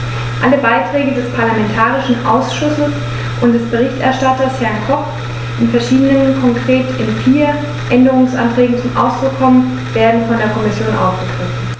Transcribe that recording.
Alle Beiträge des parlamentarischen Ausschusses und des Berichterstatters, Herrn Koch, die in verschiedenen, konkret in vier, Änderungsanträgen zum Ausdruck kommen, werden von der Kommission aufgegriffen.